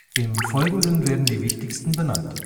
Im Folgenden werden die wichtigsten benannt